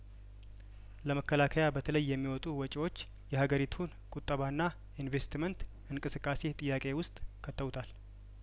ለመከላከያ በተለይ የሚወጡ ወጪዎች የሀገሪቱን ቁጠባና ኢንቨስትመንት እንቅስቃሴ ጥያቄ ውስጥ ከተውታል